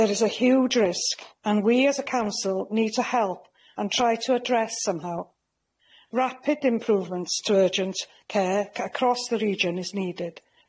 There is a huge risk and we as a council need to help and try to address somehow, rapid improvements to urgent care across the region is needed.